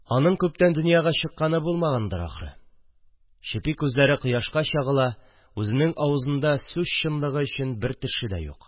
Аның күптән донъяга чыкканы булмагандыр, ахры, чепи күзләре кояшка чагыла, үзенең авызында сүз чынлыгы өчен бер теше дә юк